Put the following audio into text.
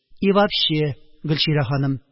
И вообще, Гөлчирә ханым,